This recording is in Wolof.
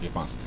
je pense